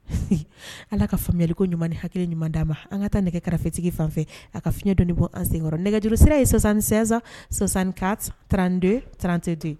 Ala ka faamuyayaliko ɲuman ni ha ɲuman d'a ma an ka taa nɛgɛ kɛrɛfɛfetigi fan fɛ a ka fiɲɛdon bɔ sen nɛgɛjsi ye sɔsansansan trante trantete